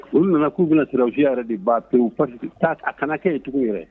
Olu nana k'u bɛna sreraw usi yɛrɛ de ba pe pa a kana kɛ ye tugu yɛrɛ